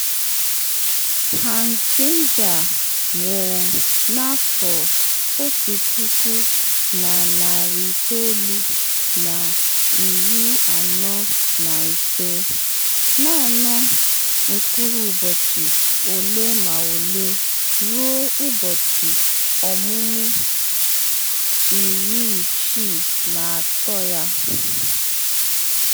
“Hans” Geiger nwụrụ n’afọ 1945, naanị mkpụrụ ụbọchị ole ma ole ruo ụbọchị ọmụmụ 63 ya.